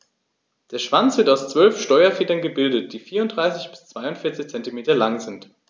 Der Schwanz wird aus 12 Steuerfedern gebildet, die 34 bis 42 cm lang sind.